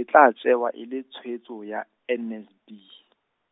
e tla tsewa e le tshwetso ya N S B.